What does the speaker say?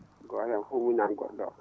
gooto heen fof muñana go??o oo